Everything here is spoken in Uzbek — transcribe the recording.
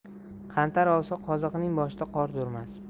qantar ovsa qoziqning boshida qor turmas